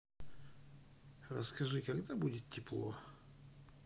расскажи когда будет тепло